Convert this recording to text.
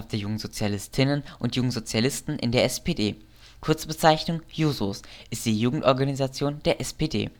Jungsozialistinnen und Jungsozialisten in der SPD, Kurzbezeichnung Jusos, ist die Jugendorganisation der SPD